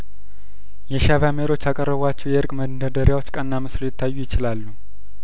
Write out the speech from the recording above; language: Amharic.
የሻእቢያ መሪዎች ያቀረ ቧቸው የእርቅ መንደርደሪያዎች ቀና መስለው ሊታዩ ይችላሉ